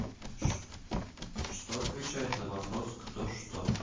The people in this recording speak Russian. что отвечает на вопрос кто что